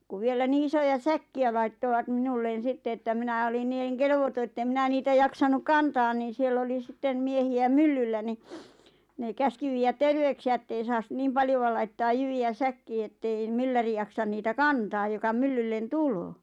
kun vielä niin isoja säkkejä laittoivat minulle sitten että minä olin niin - kelvoton että en minä niitä jaksanut kantaa niin siellä oli sitten miehiä myllyllä niin ne käski viedä terveyksiä että ei saa niin paljoa laittaa jyviä säkkiin että ei mylläri jaksa niitä kantaa joka myllylle tulee